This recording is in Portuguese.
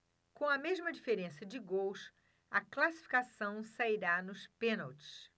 com a mesma diferença de gols a classificação sairá nos pênaltis